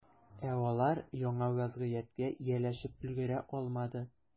Ә алар яңа вәзгыятькә ияләшеп өлгерә алмады.